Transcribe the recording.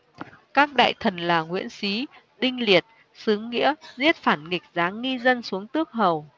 các đại thần là nguyễn xí đinh liệt xướng nghĩa giết phản nghịch giáng nghi dân xuống tước hầu